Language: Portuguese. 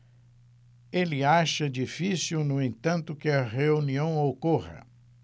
ele acha difícil no entanto que a reunião ocorra